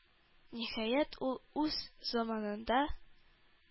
Ниһаять, ул үз заманында